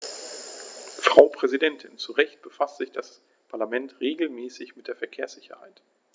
Frau Präsidentin, zu Recht befasst sich das Parlament regelmäßig mit der Verkehrssicherheit.